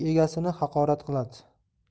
uy egasini haqorat qiladi